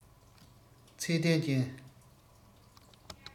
ཚད ལྡན ཅན